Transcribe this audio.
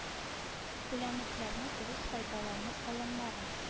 Үләнлекләрне дөрес файдалану алымнары